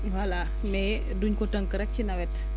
voilà mais duñ ko tënk rek ci nawet